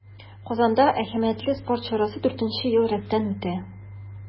Казанда әһәмиятле спорт чарасы дүртенче ел рәттән үтә.